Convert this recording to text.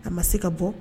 Ka ma se ka bɔ